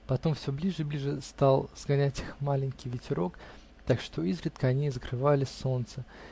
потом все ближе и ближе стал сгонять их маленький ветерок, так что изредка они закрывали солнце.